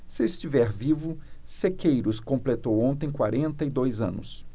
se estiver vivo sequeiros completou ontem quarenta e dois anos